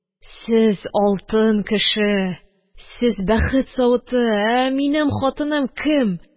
Сез – алтын кеше, сез – бәхет савыты, ә минем хатыным кем?